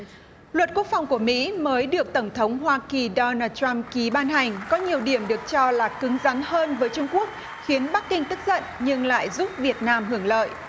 luật quốc phòng của mỹ mới được tổng thống hoa kỳ đo nồ trăm ký ban hành có nhiều điểm được cho là cứng rắn hơn với trung quốc khiến bắc kinh tức giận nhưng lại giúp việt nam hưởng lợi